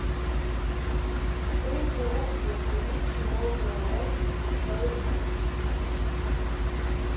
skýlið veitti okkum ikki nóg góða verju fyri storminum